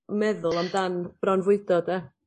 meddwl amdan bronfwydo 'de?